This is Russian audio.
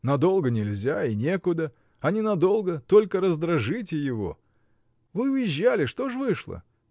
Надолго — нельзя и некуда, а ненадолго — только раздражите его. Вы уезжали: что ж вышло?